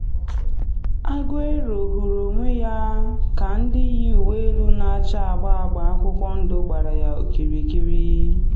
Aguero hụrụ onwe ya ka ndị yi uwe elu na acha agba akwụkwọ ndụ gbara ya okirikiri.